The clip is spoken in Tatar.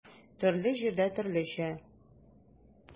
Төрле җирдә төрлечә.